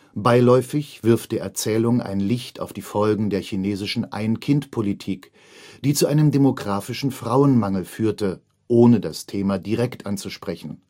Beiläufig wirft die Erzählung ein Licht auf die Folgen der chinesischen Ein-Kind-Politik, die zu einem demografischen Frauenmangel führte, ohne das Thema direkt anzusprechen